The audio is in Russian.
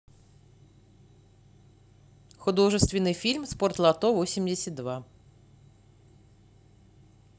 художественный фильм спортлото восемьдесят два